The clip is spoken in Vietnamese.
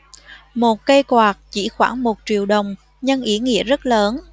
một cây quạt chỉ khoảng một triệu đồng nhưng ý nghĩa rất lớn